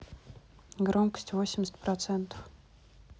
громкость восемьдесят процентов